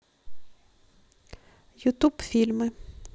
ютуб фильмы